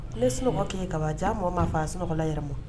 Ne sunɔgɔ' ye kaba jan mɔgɔ ma faa a sunɔgɔ yɛrɛ ma